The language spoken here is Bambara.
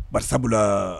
Ba sabula